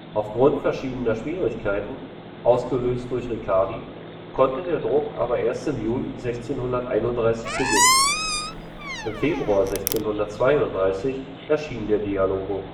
Aufgrund verschiedener Schwierigkeiten, ausgelöst durch Riccardi, konnte der Druck aber erst im Juli 1631 beginnen. Im Februar 1632 erschien der Dialogo